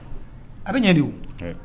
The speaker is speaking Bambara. A bɛ ɲɛ de